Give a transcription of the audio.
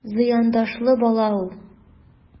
Зыяндашлы бала ул...